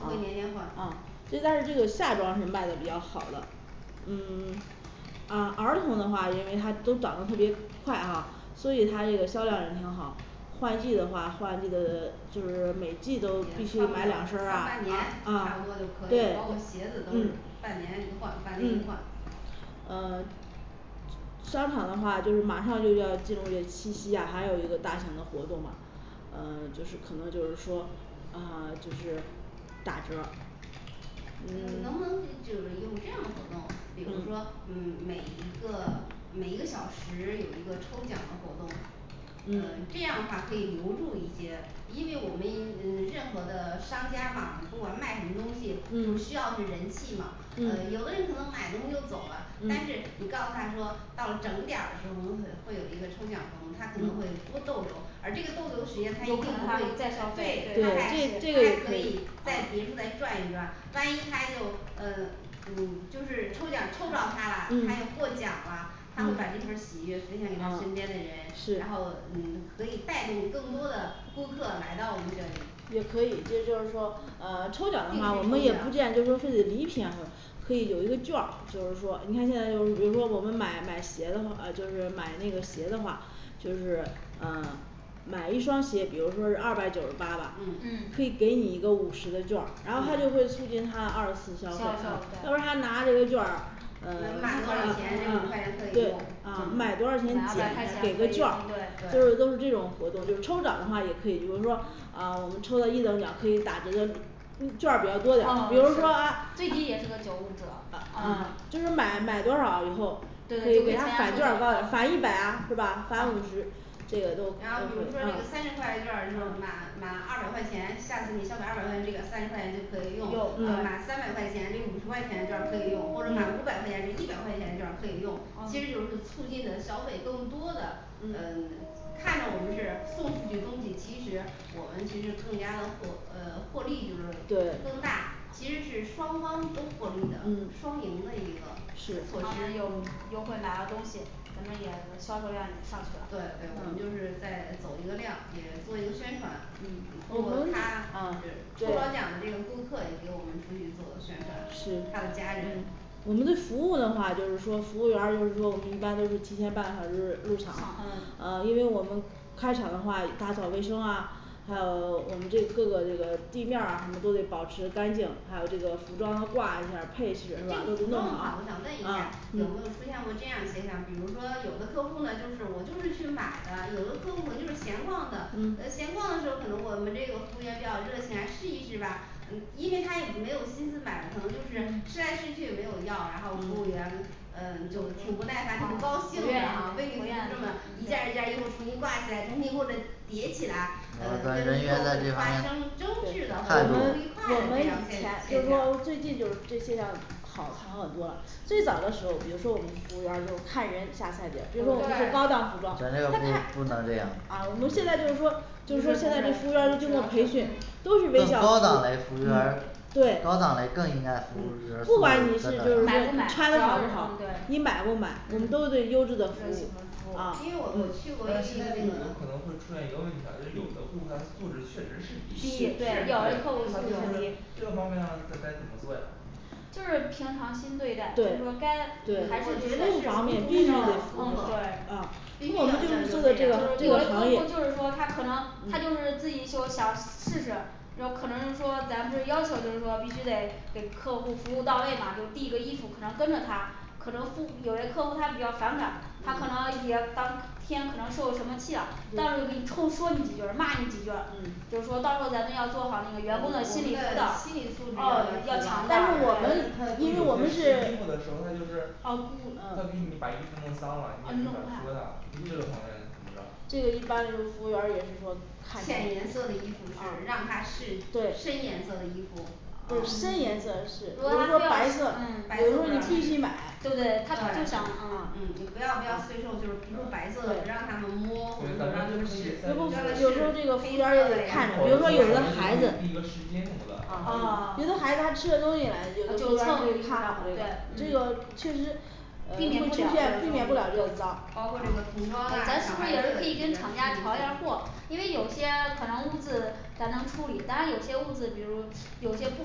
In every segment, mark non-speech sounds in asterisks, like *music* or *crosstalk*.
不会年年换嗯应该是这个夏装是卖的比较好了嗯 *silence* 啊儿童的话因为他都长得特别快哈所以它这个销量也挺好换季的话换季的 *silence* 就是每季都穿买半两身儿啊年啊差啊不多就可以对了包括那鞋子都是嗯半年一换半年一嗯换呃商场的话就是马上就要进入这个七夕呀还有一个大型的活动嘛嗯就是可能就是说嗯 *silence* 就是打折儿嗯能不嗯能就有这样的活动比如说嗯每一个每一个小时有一个抽奖的活动嗯嗯这样的话可以留住一些因为我们嗯任何的商家嘛不管卖什么东西就需嗯要是人气嘛呃有嗯的人可能买东西就走了但是你告嗯诉他说到了整点儿的时候我们会会有一个抽奖活动他可能会多逗留而这个逗留的时间他一定不会对他还他还对可以在别处再嗯转一转万一他就嗯嗯就是抽奖抽到了他啦他又获奖啦嗯他会把这份儿喜悦分享给他身边的是人然后嗯可以带动更多的顾客来到我们这也里，定可以这时也就是说呃抽抽奖奖的话我们也不见得就说非得礼品啊可以有一个劵儿就是说你看现在就是比如说我们买买鞋的话就是买那个鞋的话就是嗯买一双鞋比如说是二百九十八吧可嗯嗯以给你一个五十的劵儿然后他就会嗯促进他二次消费到时候他拿这个劵儿咱们买多少钱这五十嗯块钱可以用对啊买买二百块钱多少钱可以给个对劵儿就是都是这种活动就是抽奖的话也可以比如说啊我们抽了一等奖可以打折就劵儿比较多点儿比如说嗯啊最低也是个九五折吧嗯就是嗯买买多少以后就对给给他他返卷儿高点儿就是返一百啊是吧返五十这个都用嗯然后比如说这个三十块钱的卷儿也就满满二百块钱下次你消费二百块钱这个三十块钱就可以用满三用百块钱这五十块钱劵儿可以用或者满五百块钱这一百块钱劵儿可以用其实就嗯是促进的消费更多的嗯嗯 *silence* 看着我们是送出去东西其实我们其实更加的获嗯获利就是更大对其实是双方都获利的嗯双赢的一个措施对是对我们他们有优惠买到东西咱们也销售量也上去就了是再走一个量也做一个宣传嗯嗯我通过们他嗯对抽对着奖的这个顾客也给我们出去做个宣传他的是家人我们的服务的话也就是说服务员儿就是说我们一般都是提前半个小时入场呃因为嗯我们开场的话也打扫卫生啊还有 *unintelligible* 我们这各个这个地面儿啊什么都得保持干净还有这个服装挂一下这个服儿配饰是吧装的话我想问一下嗯有没有出现过这样现象比如说有的客户儿呢就是我就是去买的有的客户儿就是闲逛的呃闲嗯逛的时候呢可能我们这个服务员比较热情啊试一试吧嗯因为他也没有心思买可能就是试来试去也没有要然后服务员嗯就挺不耐烦挺不不愿意高兴的不为你服务这么一件愿意儿一件儿衣服重新挂起来重新或者叠起来嗯跟客户儿发生争执的或态者不愉度快我们的这样以前就是说最现现象近就是这些要好好很多了最早的时候比如说我们服务员儿有看人下菜碟比如说我们是高对档服装啊咱这个不不能这样我们现在就是说就是现在服务员儿一经过培训都是微更笑高档嘞服服务务员儿对高档嘞更应该服不务管你是就是买不买只要是嗯你对买不买我们都最优质的服务因为我我嗯去过一一个有可能会出这现一个问题啊就是有的顾客他素质确实是低低比对这较低个方面这个方面这儿该怎么做呀就是平常心对对我觉得是无顾对待就是说该还是嗯嗯客对有的就是有啊这个的客行业户就是说他可能嗯他就是自己就想试试然后可能说咱不是要求就是说必须得给客户服务到位嘛就是递一个衣服可能跟着他可能不有些客户他比较反感他可能嗯也当天可能受什么气了到时候给你冲说你几句儿骂你几句儿就是说到时候咱们嗯要做好那个员我工们的的心心理理辅素质要要导哦提要嗯强但大是高我们对因为我们试是衣服的时候他就是他给你把衣服弄脏了你也没法说他你这个方面怎么办这个一般就是服务员儿也是说看啊浅对颜色的衣服是让他试深颜色的衣服嗯让她嗯啊白色不让试就深颜色的试如果说白色你必须买对不对他不想啊啊嗯你不别的要孩不要子就是比如白色的不让他们摸黑对色咱的呀们就可以在咱们就定一个时间什么的他吃了东西来的就看蹭上去这个对确实避嗯包括对避免不了免不了这种脏这个童装啊咱是小不是孩也是子可以跟厂家调一下货因为有些可能污渍咱能处理当然有些污渍比如有些不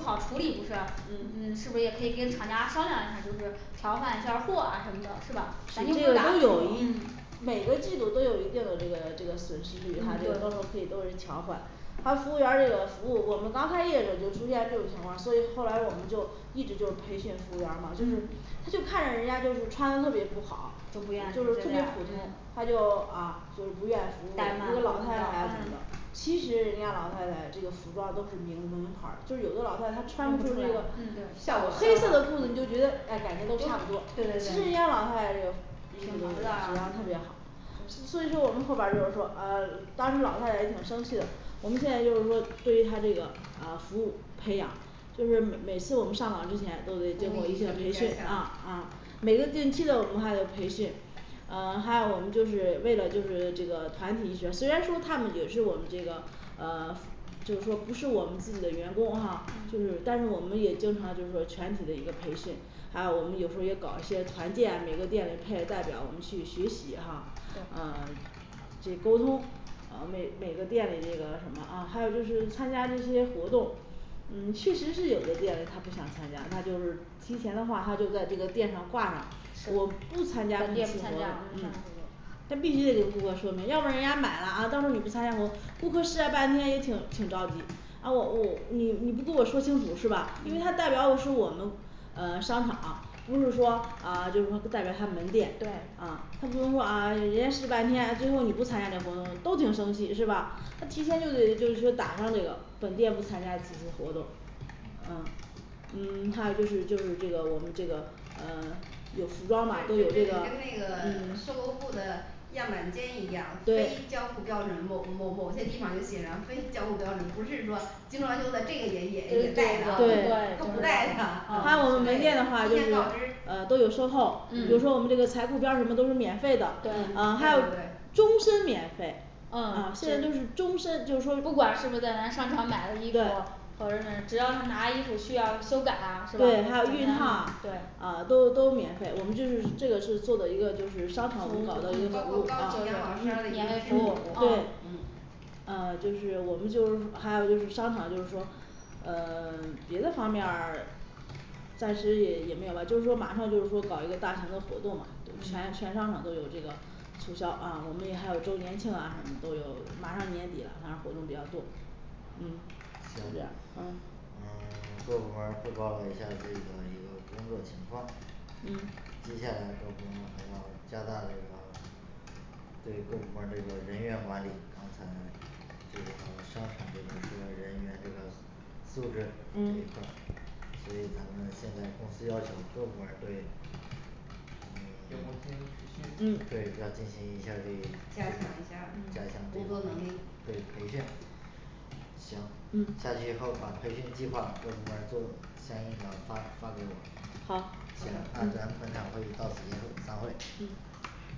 好处理的事儿嗯是不是嗯也可以跟厂家商量一下儿就是调换一下儿货啊什么的是吧嗯咱都都不有嗯嗯对每个季度都有一定的这个这个损失率啊包括这些都有可以调换还有服务员儿这个服务我们刚开业的就出现这种情况所以后来我们就一直就培训服务员儿嘛就是他就看着人家就是穿的特别不好就就不愿接是特别待普通他嗯就啊就不愿服务就老太太什么的其实人家老太太这个服装都是名名牌儿就是有的老太太她穿穿不不出出这来个嗯对效果对对黑对色的裤子就觉得哎感觉都差不多其实人家老太太质量特别好所以说我们后边儿就是说啊当时老太太挺生气的我们现在就是说对于她这个啊服务培养就是每每次我们上岗之前都得多做一些培训啊啊每个近期的我们还有培训呃还有我们就是为了就是这个团体学虽然说他们也是我们这个呃 *silence* 就是说不是我们自己的员工哈就嗯是但是我们也经常就是说全体的一个培训还有我们有时候也搞一些团建每个店派代表我们去学习哈嗯 *silence* 对去沟通呃每每个店里那个什么啊还有就是参加这些活动嗯确实是有些店他不想参加那就是提前的话他就在这个店上挂上说店不不参参加加店铺活动嗯嗯嗯但必须得跟顾客说明要不然人家买了啊到时候你不参加活动顾客试在半天也挺挺着急啊我我你你不跟我说清楚是吧因为它嗯代表是我们嗯商场不是说啊就是说不代表他们门店对啊他不是说啊人家试半天最后你不参加这活动都挺生气是吧他提前就得就是说打上这个本店不参加此次活动嗯啊嗯 *silence* 还有就是就是这个我们这个嗯有对对对服装吧都有这个跟那 *silence* 个嗯 *silence* 售楼部的样板间一样非交付标对准某某某些地方就写上非交付标准不是说精装修的这个也也是带的对它不带的还有我们门提店的前话告知嗯嗯都对对有售后比如说我们这个裁裤边儿都是免费的啊还有终身免费嗯现在都是终身就是说对不对还有管熨是不是在咱商场买了衣服或者是只要是拿衣服需要修改啊是吧对包括高级养烫老区啊都都免费我们都是这个是做的一个就是商场五保的一个服务嗯嗯嗯就是我们就是还有就是商场就是说嗯 *silence* 别的方面儿暂时也也没有了就是说马上就是说搞一个大型的活动嘛全全嗯商场都有这个促销啊我们也还有周年庆啊什么的都有马上就年底了反正活动比较多嗯啊行嗯 *silence* 各部门儿汇报了一下儿自己的一个工作情况嗯接下来各部门儿还要加大这个对各部门儿这个人员管理安排这个商场这个人员这个素质这一嗯块儿所以咱们现在公司要求各部门儿对员工进行培训嗯对要进行一下儿这加强一下儿加强这工作方能力面儿对培训行下嗯去以后把培训计划各部门儿做相应的发发给我好好的行那咱本场嗯会议到此结束散会嗯